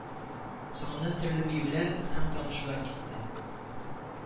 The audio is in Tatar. Соңыннан төрле биюләр һәм танышулар китте